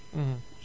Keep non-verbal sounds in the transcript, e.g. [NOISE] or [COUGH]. [HESITATION] [HESITATION]